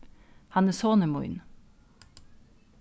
hann er sonur mín